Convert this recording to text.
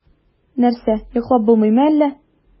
Нәрсә, йоклап булмыймы әллә?